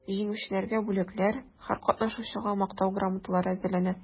Җиңүчеләргә бүләкләр, һәр катнашучыга мактау грамоталары әзерләнә.